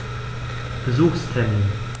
Besuchstermin